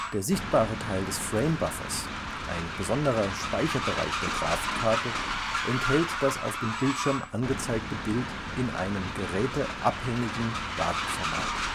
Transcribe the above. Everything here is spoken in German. Der sichtbare Teil des Framebuffers, ein besonderer Speicherbereich der Grafikkarte, enthält das auf dem Bildschirm angezeigte Bild in einem geräteabhängigen Datenformat